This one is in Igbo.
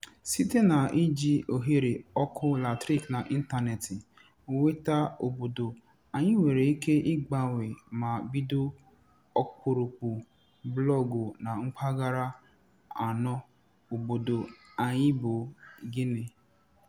Site na iji ohere ọkụ latrịk na ịntanetị nweta obodo, anyị nwere ike igbanwe ma bido ọkpụrụkpụ blọọgụ na mpaghara anọ obodo anyị bụ Guinea.